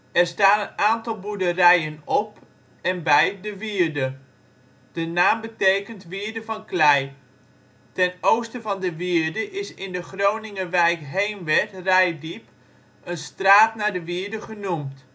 Er staan een aantal boerderijen op en bij de wierde. De naam betekent wierde van klei. Ten oosten van de wierde is in de Groninger wijk Heemwerd/Reitdiep een straat naar de wierde genoemd